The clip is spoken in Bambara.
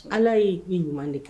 Ala ye i ye ɲuman de k